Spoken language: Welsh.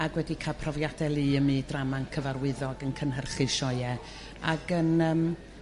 Ag wedi ca'l profiade lu ym myd drama 'n cyfarwyddo ag yn cynhyrchu sioe ag yn yrm